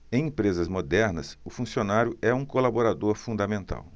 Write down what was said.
em empresas modernas o funcionário é um colaborador fundamental